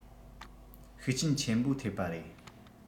ཤུགས རྐྱེན ཆེན པོ ཐེབས པ རེད